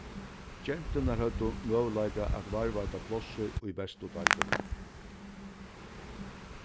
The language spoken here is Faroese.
genturnar høvdu møguleika at varðveita plássið í bestu deildini